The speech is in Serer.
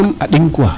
a ɗing quoi